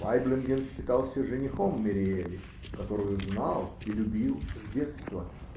Вайблинген считался женихом Мэриели, которую знал и любил с детства.